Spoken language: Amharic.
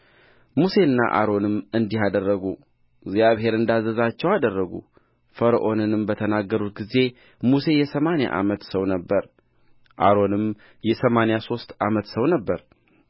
ሙሴና አሮንም እንዲህ አደረጉ እግዚአብሔር እንዳዘዛቸው አደረጉ ፈርዖንንም በተናገሩት ጊዜ ሙሴ የሰማንያ ዓመት ሰው ነበረ አሮንም የሰማንያ ሦስት ዓመት ሰው ነበረ